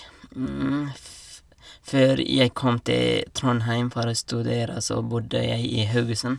f Før jeg kom til Trondheim for å studere, så bodde jeg i Haugesund.